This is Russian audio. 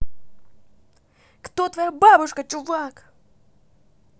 кто твоя бабушка чувак